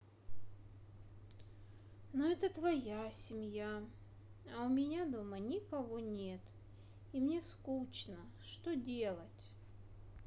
ну это твоя семья а у меня дома никого нет и мне скучно что делать